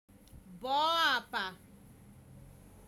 bo àpà